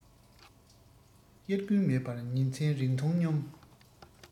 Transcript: དབྱར དགུན མེད པར ཉིན མཚན རིང འཐུང སྙོམས